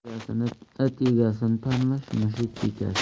it egasini tanimas mushuk bekasini